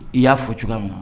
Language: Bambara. I y'a fɔ cogoya ma